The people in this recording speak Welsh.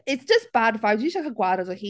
It's just bad vibes, fi isie cael gwared o hi.